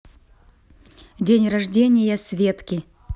день рождения светки